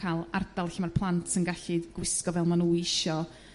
ca'l ardal lle ma'r plant yn gallu gwisgo fel ma'nhw isio.